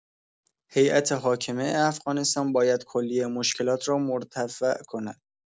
هیئت حاکمه افغانستان باید کلیه مشکلات را مرتفع کند.